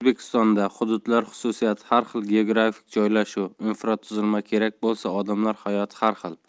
o'zbekistonda hududlar xususiyati har xil geografik joylashuv infratuzilma kerak bo'lsa odamlar hayot har xil